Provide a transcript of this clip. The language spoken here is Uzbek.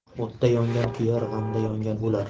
o'tda yongan kuyar g'amda yongan o'lar